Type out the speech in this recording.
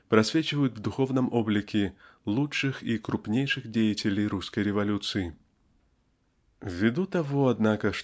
просвечивают в духовном облике лучших и крупнейших деятелей русской революции. Ввиду того однако